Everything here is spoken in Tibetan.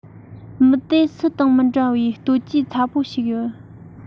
མི དེ སུ དང མི འདྲ བའི གཏོ བཅོས ཚ པོ ཞིག ཡོད